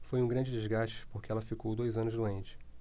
foi um grande desgaste porque ela ficou dois anos doente